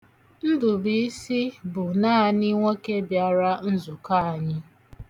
Ndụbiisi bụ naanị nwoke bịara nzụkọ anyị.